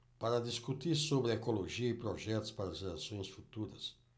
para discutir sobre ecologia e projetos para gerações futuras